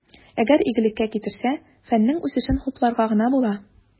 Әгәр игелеккә китерсә, фәннең үсешен хупларга гына була.